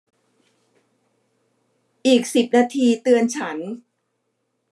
อีกสิบนาทีเตือนฉัน